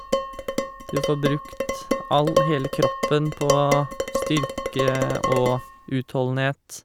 Du får brukt all hele kroppen på styrke og utholdenhet.